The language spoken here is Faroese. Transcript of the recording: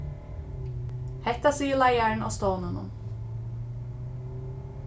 hetta sigur leiðarin á stovninum